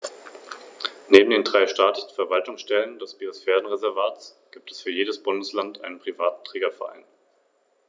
Der Schwanz ist weiß und zeigt eine scharf abgesetzte, breite schwarze Endbinde.